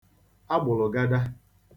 agbụ̀lụ̀gada